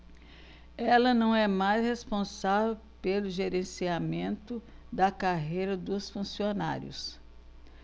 ela não é mais responsável pelo gerenciamento da carreira dos funcionários